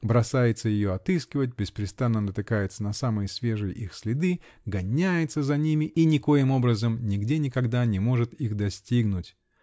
бросается ее отыскивать, беспрестанно натыкается на самые свежие их следы, гоняется за ними -- и никоим образом, нигде, никогда не может их достигнуть.